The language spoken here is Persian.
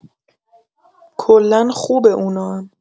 کلا خوبه اونام